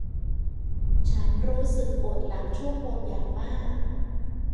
ฉันรู้สึกปวดหลังช่วงบนอย่างมาก